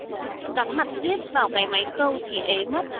cắm mặt riết vào cái máy khâu thì ế mất